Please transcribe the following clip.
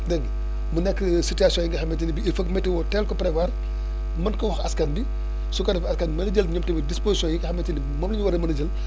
dégg nga mu nekk situation yi nga xamante ne bii il foog météo teel ko prévoir mën ko wax askan bi su ko defee askan bi mën a jël ñoom tamit dispositions yi nga xamante ne bi moom la ñu war a mën a jël